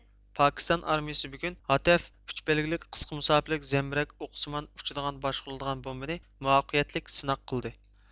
پاكىستان ئارمىيىسى بۈگۈن ھاتەف ئۈچ بەلگىلىك قىسقا مۇساپىلىك زەمبىرەك ئوقىسىمان ئۇچىدىغان باشقۇرۇلىدىغان بومبىنى مۇۋەپپەقىيەتلىك سىناق قىلدى